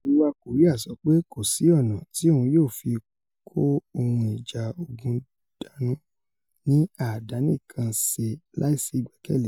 Àríwá Kòríà sọ pé 'kòsí ọ̀nà' ti òun yóò fi kó ohun ìjà ogun dánù ní àdánìkànṣe láìsí ìgbẹkẹlé